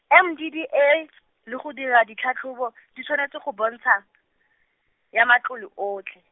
M D D A , le go dira ditlhatlhobo, di tshwanetse go bontsha, ya matlole otlhe.